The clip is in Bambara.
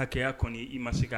Ka kɛya kɔni i ma se ka